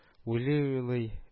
Уйлый-уйлый